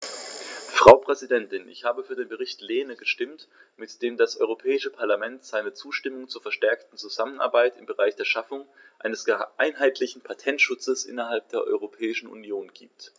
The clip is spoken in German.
Frau Präsidentin, ich habe für den Bericht Lehne gestimmt, mit dem das Europäische Parlament seine Zustimmung zur verstärkten Zusammenarbeit im Bereich der Schaffung eines einheitlichen Patentschutzes innerhalb der Europäischen Union gibt.